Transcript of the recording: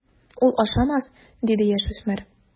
Ул ашамас, - диде яшүсмер.